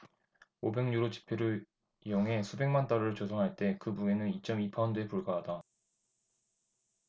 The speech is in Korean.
오백 유로 지폐로 이용해 수백만 달러를 조성할 때 그 무게는 이 쩜 이 파운드에 불과하다